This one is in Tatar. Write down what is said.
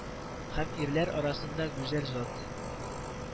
Һәм ирләр арасында гүзәл зат